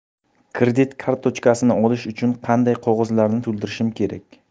kredit kartochkasini olish uchun qanday qog'ozlarni to'ldirishim kerak